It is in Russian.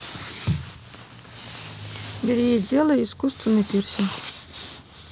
бери и делай искусственный пирсинг